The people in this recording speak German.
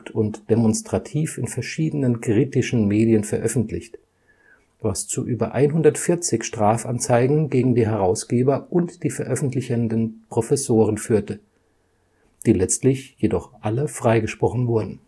und demonstrativ in verschiedenen kritischen Medien veröffentlicht, was zu über 140 Strafanzeigen gegen die Herausgeber und die veröffentlichenden Professoren führte, die letztlich jedoch alle freigesprochen wurden